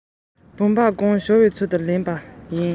དེའི ནང གི ཐེའུ རང དཀར པོ